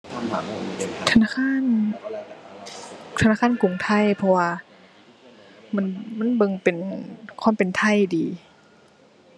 ธนาคาร ธนาคารกรุงไทย เพราะว่ามัน มันเบิ่งเป็นความเป็นไทยดี